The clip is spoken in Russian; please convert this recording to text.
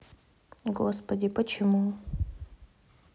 господи почему